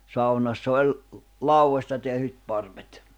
saunassa oli laudoista tehdyt parvet